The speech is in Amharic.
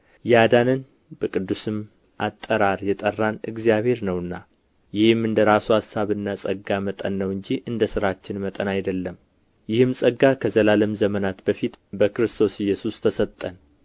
ያዳነን በቅዱስም አጠራር የጠራን እግዚአብሔር ነውና ይህም እንደ ራሱ አሳብና ጸጋ መጠን ነው እንጂ እንደ ሥራችን መጠን አይደለም ይህም ጸጋ ከዘላለም ዘመናት በፊት በክርስቶስ ኢየሱስ ተሰጠን